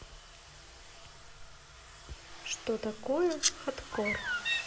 что такое хадкор